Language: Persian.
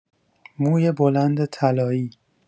موی بلند طلایی